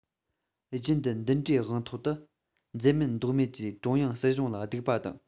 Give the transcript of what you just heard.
རྒྱུན དུ འདི འདྲའི དབང ཐོག ཏུ འཛེམ མེད དོགས མེད ཀྱིས ཀྲུང དབྱང སྲིད གཞུང ལ སྡིགས པ དང